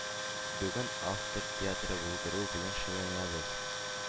Бүген автор театры булдыру белән шөгыльләнәбез.